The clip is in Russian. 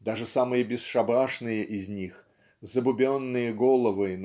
Даже самые бесшабашные из них забубённые головы